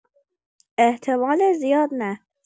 احتمال زیاد نه.